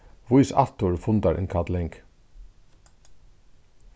vís aftur fundarinnkalling